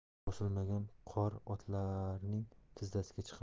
bosilmagan qor otlarning tizzasiga chiqadi